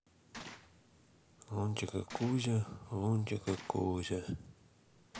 лунтик и кузя лунтик и кузя